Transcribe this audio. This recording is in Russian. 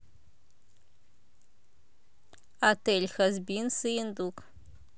отель хазбин сыендук